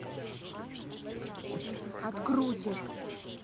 открутит